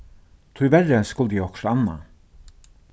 tíverri skuldi eg okkurt annað